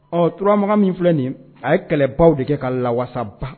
Ɔ Turamaan min filɛ nin ye, a ye kɛlɛbagaw de kɛ ka la walasasaba